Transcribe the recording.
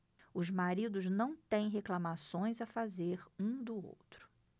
os maridos não têm reclamações a fazer um do outro